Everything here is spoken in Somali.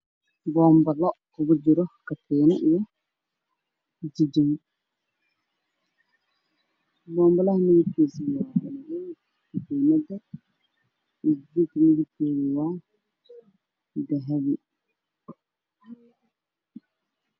Waa boonbalo midabkiisu yahay madow waxaa suran ka tiinad midabkeedu yahay dahabi s ayuu saaran yahay